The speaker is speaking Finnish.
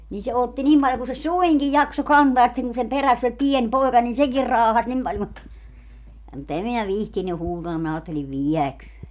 niin se otti niin paljon kuin se suinkin jaksoi kantaa ja sitten kun sen perässä oli pieni poika niin sekin raahasi niin paljon mutta mutta en minä viitsinyt huutaa minä ajattelin vieköön